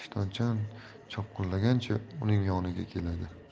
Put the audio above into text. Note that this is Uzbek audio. ishtonchan chopqillagancha uning yoniga keladi